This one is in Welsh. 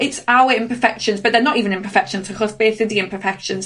it's are they imperfections, but they're not even imperfections achos beth ydi imperfections.